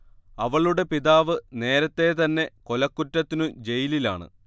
അവളുടെ പിതാവ് നേരത്തെ തന്നെ കൊലകുറ്റത്തിനു ജയിലാണ്